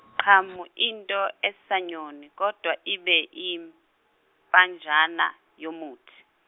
qhamu into esanyoni kodwa ibe iyimpanjana yomuthi.